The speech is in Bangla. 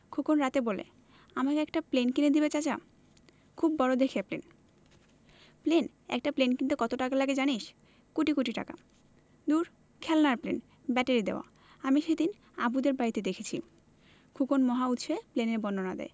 খোকন রাতে বলে আমাকে একটা প্লেন কিনে দিবে চাচা খুব বড় দেখে প্লেন প্লেন একটা প্লেন কিনতে কত টাকা লাগে জানিস কোটি কোটি টাকা দূর খেলনার প্লেন ব্যাটারি দেয়া আমি সেদিন আবুদের বাড়িতে দেখেছি খোকন মহা উৎসাহে প্লেনের বর্ণনা দেয়